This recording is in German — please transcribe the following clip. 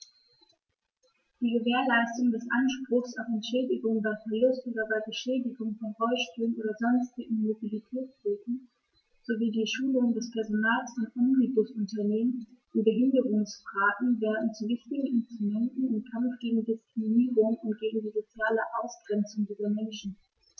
Die Gewährleistung des Anspruchs auf Entschädigung bei Verlust oder Beschädigung von Rollstühlen oder sonstigen Mobilitätshilfen sowie die Schulung des Personals von Omnibusunternehmen in Behindertenfragen werden zu wichtigen Instrumenten im Kampf gegen Diskriminierung und gegen die soziale Ausgrenzung dieser Menschen.